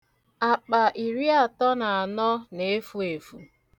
Akpa iriatọ na anọ na-efu efu.